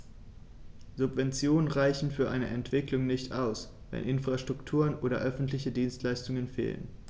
Subventionen reichen für eine Entwicklung nicht aus, wenn Infrastrukturen oder öffentliche Dienstleistungen fehlen.